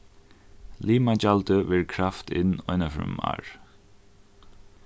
limagjaldið verður kravt inn einaferð um árið